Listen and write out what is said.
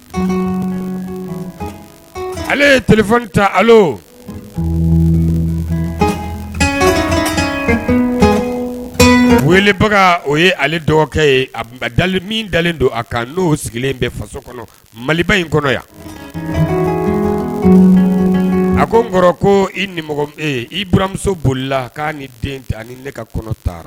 Ale ye ta weelebaga o ye dɔgɔ ye dalen don a kan n' sigilen bɛ faso kɔnɔ maliba in kɔnɔ yan a ko n ko i i baramuso bolila k' den ne ka kɔnɔ taara